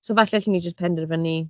So falle allwn ni jyst penderfynu.